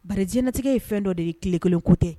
Ba jinatigɛ ye fɛn dɔ de ye tile kelenkote